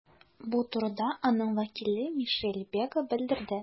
Бу турыда аның вәкиле Мишель Бега белдерде.